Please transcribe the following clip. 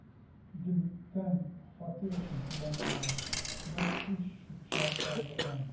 „дөмеккән, ә фатир өчен түләмәгән, бер күч чүп-чар калдырган“.